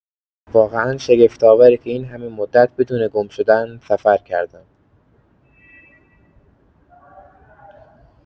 واقعا شگفت‌آوره که این همه مدت بدون گم‌شدن سفر کردم!